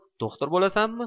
do'xtir bo'lasanmi